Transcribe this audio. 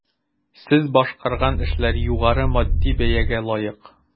Сез башкарган эшләр югары матди бәягә лаек.